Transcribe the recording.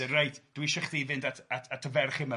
...ma'n deud reit, dwi eisiau i chdi fynd at at at y ferch yma